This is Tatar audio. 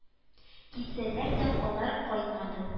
Китсәләр дә алар кайтмады